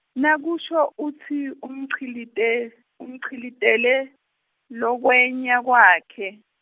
Nakasho utsi, umchilite- umchilitele, lokweyana kwakhe.